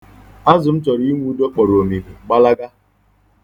Azụ m chọrọ inwudo kpọrọ omimi, gbalaga.